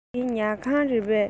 འདི ཉལ ཁང རེད པས